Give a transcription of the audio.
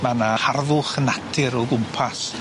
Ma' 'na harddwch y natur o gwmpas.